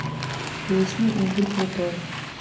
песня игорь крутой